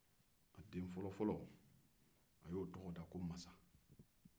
a y'a den fɔlo tɔgɔ da ko masa